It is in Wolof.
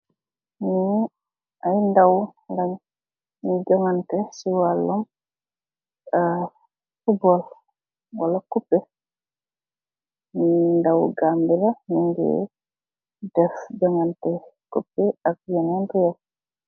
Li ay ndaw lenn nyu joganteh si walum ar football wala kupeh li ndaw Gambia la nyu geh def joganteh kupeh ak benen reew.